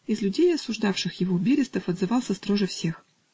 Из людей, осуждавших его, Берестов отзывался строже всех.